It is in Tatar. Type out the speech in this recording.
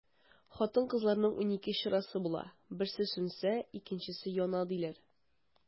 Хатын-кызларның унике чырасы була, берсе сүнсә, икенчесе яна, диләр.